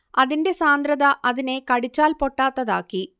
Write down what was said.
അതിന്റെ സാന്ദ്രത അതിനെ കടിച്ചാൽ പൊട്ടാത്തതാക്കി